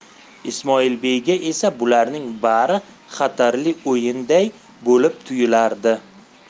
ismoilbeyga esa bularning bari xatarli o'yinday bo'lib tuyulardi